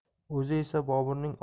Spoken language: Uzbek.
o'zi esa boburning